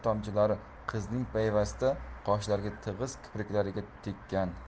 tomchilari qizning payvasta qoshlariga tig'iz kipriklariga tekkan